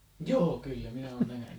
joo kyllä minä olen nähnyt